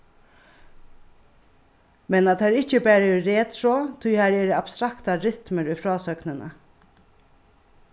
men at tær ikki bara eru retro tí har eru abstraktar rytmur í frásøgnini